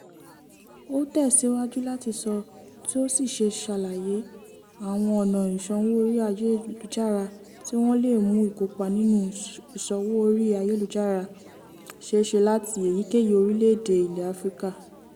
Ó tẹ̀síwájú láti sọ tí ó sì ṣe àlàyé àwọn ọ̀nà ìṣanwó orí ayélujára tí wọ́n lè mú ìkópa nínú ìṣòwò orí ayélujára ṣeéṣe láti èyíkéyìí orílẹ̀-èdè ilẹ̀ Áfíríkà.